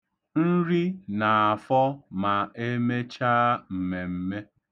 Nri na-afọ ma e mechaa mmemme.